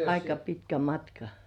aika pitkä matka